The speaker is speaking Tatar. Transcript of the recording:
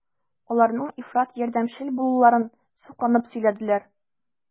Аларның ифрат ярдәмчел булуларын сокланып сөйләделәр.